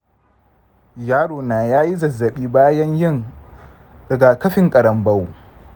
yarona yayi zazzabi bayan yin rigakafin ƙarambo.